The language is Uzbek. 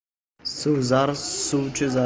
suv zar suvchi zargar